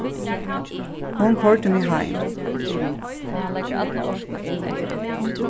hon koyrdi meg heim